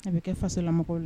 A bɛ kɛ fasola mɔgɔw la